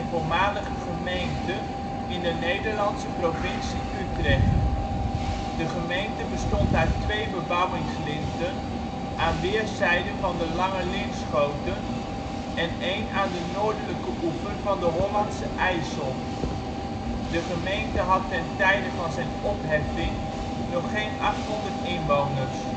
voormalige gemeente in de Nederlandse provincie Utrecht. De gemeente bestond uit twee bebouwingslinten aan weerszijden van de Lange Linschoten en één aan de noordelijke oever van de Hollandsche IJssel. De gemeente had ten tijde van zijn opheffing nog geen achthonderd inwoners